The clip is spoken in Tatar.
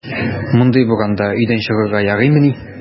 Мондый буранда өйдән чыгарга ярыймыни!